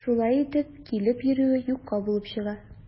Шулай итеп, килеп йөрүе юкка булып чыга.